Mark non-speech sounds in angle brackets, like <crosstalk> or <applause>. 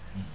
<hesitation>